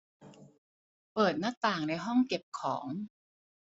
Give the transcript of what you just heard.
เปิดหน้าต่างในห้องเก็บของ